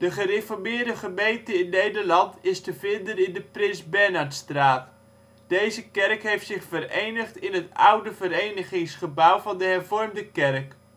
Gereformeerde Gemeente in Nederland is te vinden in de Prins Bernhardstraat. Deze kerk heeft zich verenigd in het oude verenigingsgebouw van de Hervormde kerk